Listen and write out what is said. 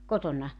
kotona